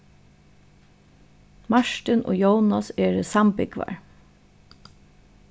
martin og jónas eru sambúgvar